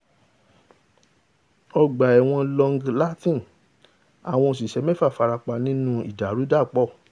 Ọgbà-ẹ̀wọ̀n Long Lartin: Àwọn òṣìṣẹ́ mẹ́fà farapa nínú ìdàrúdàpọ̀